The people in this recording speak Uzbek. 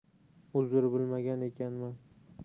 uzr bilmagan ekanman